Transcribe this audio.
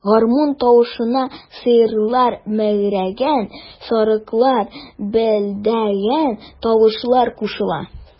Гармун тавышына сыерлар мөгрәгән, сарыклар бәэлдәгән тавышлар кушыла.